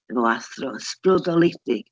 Efo athro ysbrydoledig.